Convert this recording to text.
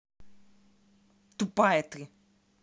тупая ты